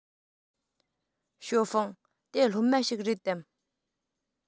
ཞའོ ཧྥུང དེ སློབ མ ཞིག རེད དམ